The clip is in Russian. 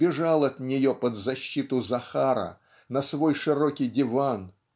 бежал от нее под защиту Захара на свой широкий диван